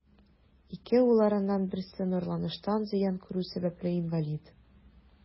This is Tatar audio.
Ике улларының берсе нурланыштан зыян күрү сәбәпле, инвалид.